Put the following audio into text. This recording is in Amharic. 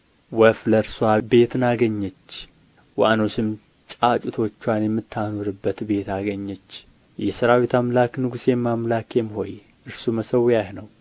ወፍ ለእርስዋ ቤትን አገኘች ዋኖስም ጫጩቶችዋን የምታኖርበት ቤት አገኘች የሠራዊት አምላክ ንጉሤም አምላኬም ሆይ እርሱ መሠዊያህ ነው